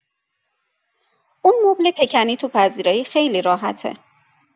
اون مبل پکنی تو پذیرایی خیلی راحته.